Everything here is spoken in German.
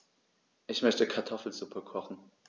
Ich möchte Kartoffelsuppe kochen.